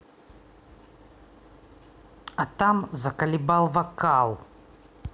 а там заколебал вокал